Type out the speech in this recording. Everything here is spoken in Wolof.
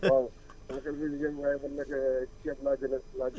waaw sama xel mi ngi si ñebe waaye man nag ceeb laa gën laa gën a